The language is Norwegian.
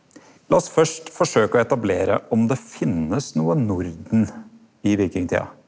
la oss først forsøke å etablere om det finst noko Norden i vikingtida.